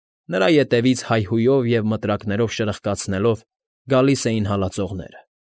Նրա ետևից հայհույով և մտրակներով շրխկացնելով գալիս էին հալածողները։